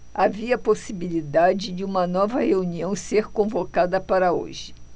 havia possibilidade de uma nova reunião ser convocada para hoje